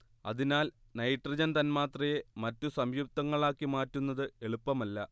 അതിനാൽ നൈട്രജൻ തന്മാത്രയെ മറ്റു സംയുക്തങ്ങളാക്കി മാറ്റുന്നത് എളുപ്പമല്ല